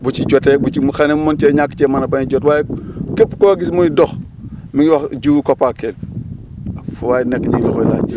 bu ci jotee bu ci mu xëy na mu mën cee ñàkk cee mën a bañ a jot waaye képp koo gis muy dox mu ngi wax jiwu COPACEL waaw fu waay nekk ñu ngi la koy laaj